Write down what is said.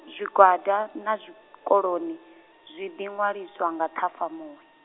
zwigwada na zwikoloni, zwi ḓi ṅwaliswa nga Ṱhafamuhwe.